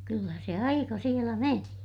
kyllä se aika siellä meni